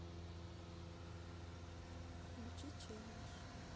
включи челлендж